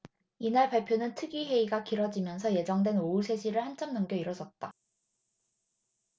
이날 발표는 특위 회의가 길어지면서 예정된 오후 세 시를 한참 넘겨 이뤄졌다